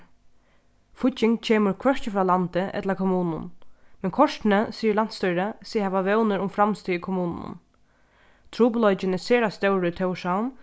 fígging kemur hvørki frá landi ella kommununum men kortini sigur landsstýrið seg hava vónir um framstig í kommununum trupulleikin er sera stórur í tórshavn